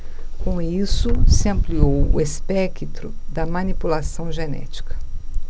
com isso se ampliou o espectro da manipulação genética